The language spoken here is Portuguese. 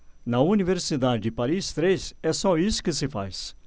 na universidade de paris três é só isso que se faz